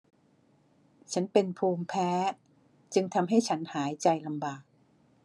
ฉันเป็นภูมิแพ้จึงทำให้ฉันหายใจลำบาก